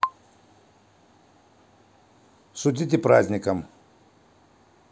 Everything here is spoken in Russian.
шутим праздником